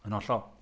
Yn hollol.